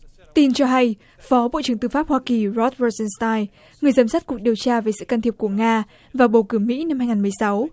tin cho hay phó bộ trưởng tư pháp hoa kỳ rốt rô sừn sờ tai người giám sát cuộc điều tra về sự can thiệp của nga vào bầu cử mỹ năm hai nghìn mười sáu